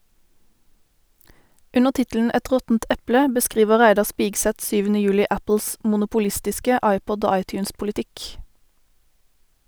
Under tittelen "Et råttent eple" beskriver Reidar Spigseth Apples monopolistiske iPod- og iTunes-politikk.